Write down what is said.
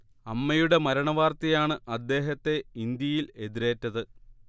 അമ്മയുടെ മരണവാർത്തയാണ് അദ്ദേഹത്തെ ഇന്ത്യയിൽ എതിരേറ്റത്